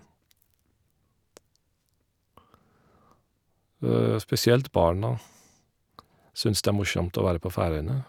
Spesielt barna syns det er morsomt å være på Færøyene.